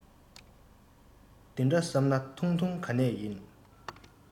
དེ འདྲ བསམས ན ཐུང ཐུང ག ནས ཡིན